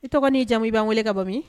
I tɔgɔ' jamu i b' wele ka bɔmi